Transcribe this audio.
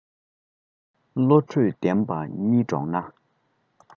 བློ གྲོས ལྡན པ གཉིས བགྲོས ན